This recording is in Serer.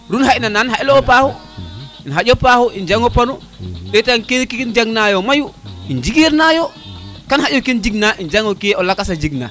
i xangan im xaƴ na xa elewo paaxu i xaƴa paaxu i jango ponu detan ke i njang nayo mayu i njiger na yo kan xaƴa ken jeg na i jango ke o lakasa jeg na